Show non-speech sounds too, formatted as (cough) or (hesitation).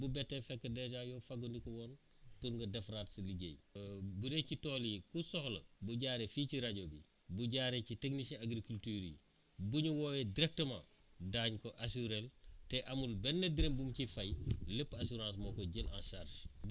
bu bettee fekk dèjà yow fagandiku woon nga pour nga defaraat sa liggéey (hesitation) bu dee ci tool yi ku soxla bu jaaree fii ci rajo bi bu jaaree ci technicien agriculture yi bu ñu woowee directement daañu ko assuré te amul benn dërëm bu mu ciy fay lépp assurance bi moo koy jël en charge